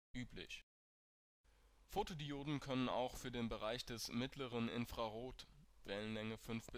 üblich. Photodioden können auch für den Bereich des mittleren Infrarot (Wellenlänge 5